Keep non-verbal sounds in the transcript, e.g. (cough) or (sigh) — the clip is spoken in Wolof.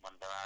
(hesitation) (hesitation)